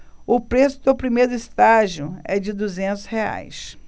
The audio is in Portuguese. o preço do primeiro estágio é de duzentos reais